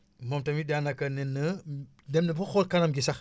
moom tamit daanaka nee na dem na ba xoolkanam gi sax